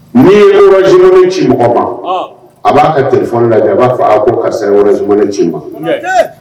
N ye zuma ci mɔgɔ ma a b'a ka t lajɛ a b'a fɔ a ko karisa zumanɛ ci ma